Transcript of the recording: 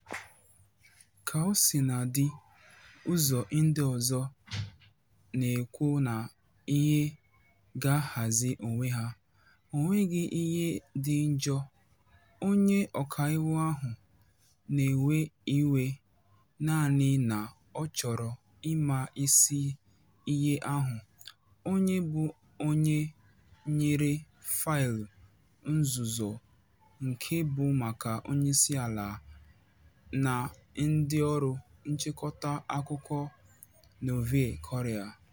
Kaosinadị, ụzọ ndị ọzọ na-ekwu na ihe ga-ahazi onwe ha, "ọ nweghị ihe dị njọ, onye Ọkaiwu ahụ na-ewe iwe naanị na ọ chọrọ ịma isi ihe ahụ, onye bụ onye nyere faịlụ nzuzo nke bụ maka onyeisiala, na ndịọrụ nchịkọta akụkọ Nouveau Courrier.